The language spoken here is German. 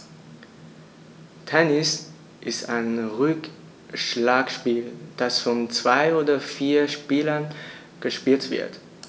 Tennis ist ein Rückschlagspiel, das von zwei oder vier Spielern gespielt wird.